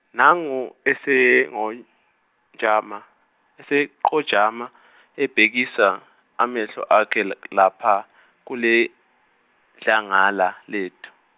nangu esengojama- eseqojama ebhekisa amehlo akhe l- lapha kule dlangala lethu.